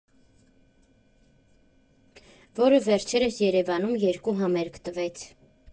Որը վերջերս Երևանում երկու համերգ տվեց։